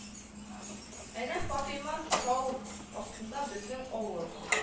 Әнә фатыйма-тау астында безнең авыл